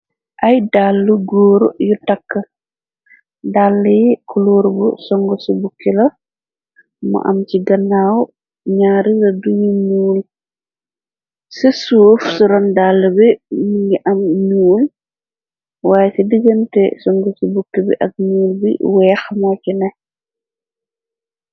Ay dàllu góur yu tàkkl dàll yi kuluur bu song ci bukki la mu am ci gannaaw ñaarira duñu nuul ci suuf suron dàll bi mi ngi am nuul waaye ci digante song ci bukki bi ak nuul bi weex mo ci ne.